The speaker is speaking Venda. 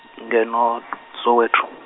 ngeno Soweto.